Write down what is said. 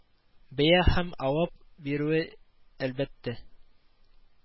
Бәя һәм авап бирүе, әлбәттә